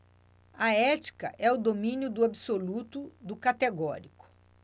a ética é o domínio do absoluto do categórico